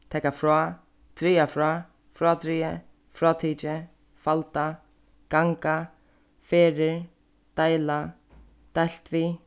taka frá draga frá frádrigið frátikið falda ganga ferðir deila deilt við